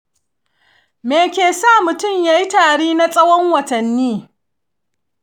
me ke sa mutum yayi tari na tsawon watanni?